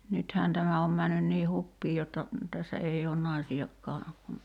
nythän tämä on mennyt niin hupiin jotta tässä ei ole naisiakaan kun